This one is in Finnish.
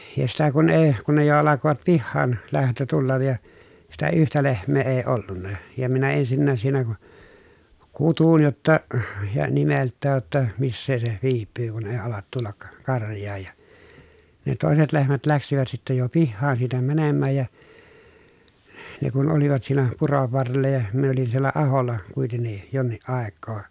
ja sitä kun ei kun ne jo alkoivat - pihaanlähtö tulla ja sitä yhtä lehmää ei ollut ja minä ensinnä siinä - kutsuin jotta ja nimeltään jotta missä se viipyy kun ei alat tulla karjaan ja ne toiset lehmät lähtivät sitten jo pihaan siitä menemään ja ne kun olivat siinä puron varrella ja minä olin siellä aholla kuitenkin jonkin aikaa